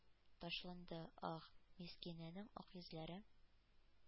Ташланды, ах! Мискинәнең ак йөзләре